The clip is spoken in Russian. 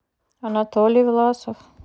анатолий власов